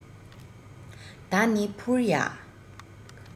ད ནི འཕུར ཡ